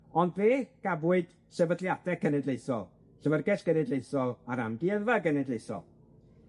Ond fe gafwyd sefydliade cenedlaethol, Llyfyrgell Genedlaethol a'r Amgueddfa Genedlaethol.